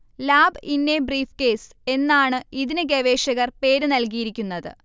lab in a briefcase എന്നാണ് ഇതിന് ഗവേഷകർ പേര് നല്കിയിരിക്കുന്നത്